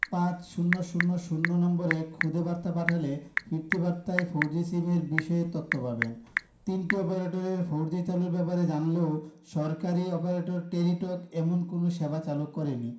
পাঁচ শূণ্য শূণ্য শূণ্য নম্বরে খুদে বার্তা পাঠালে ফিরতি বার্তায় ফোরজি সিমের বিষয়ে তথ্য পাবেন তিনটি অপারেটর ফোরজি চালুর ব্যাপারে জানালেও সরকারি অপারেটর টেলিটক এমন কোনো সেবা চালু করেনি